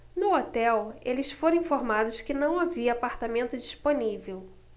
no hotel eles foram informados que não havia apartamento disponível